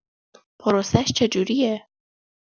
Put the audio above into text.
پروسش چجوریه؟